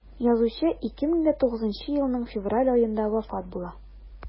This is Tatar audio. Язучы 2009 елның февраль аенда вафат була.